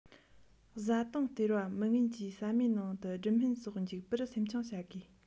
བཟའ བཏུང སྟེར བ མི ངན གྱིས ཟ མའི ནང དུ སྦྲིད སྨན སོགས འཇུག སྲིད པར སེམས ཆུང བྱེད དགོས